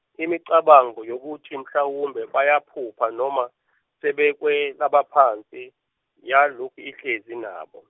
imicabango yokuthi mhlawumbe bayaphupha noma, sebekwelabaphansi, yalokhu ihlezi nabo.